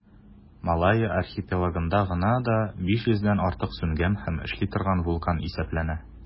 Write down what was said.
Малайя архипелагында гына да 500 дән артык сүнгән һәм эшли торган вулкан исәпләнә.